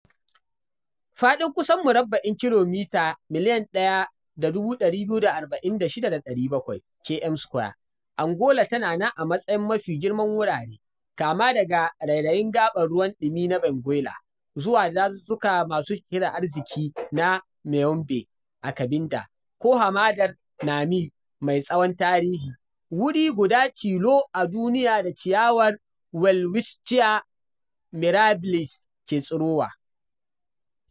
Faɗin kusan murabba'in kilomita 1,246,700 km², Angola tana nan a matsayin mafi girman wurare, kama daga rairayin gaɓar ruwan ɗimi na Benguela zuwa dazuzzuka masu cike da arziki na Maiombe a Cabinda ko hamadar Namibe mai tsohon tarihi, wuri guda tilo a duniya da ciyawar welwitschia mirabilis ke tsirowa .